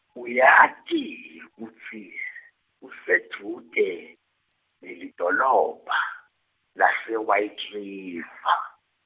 uyati, kutsi, usedvute, nelidolobha, lase- White River?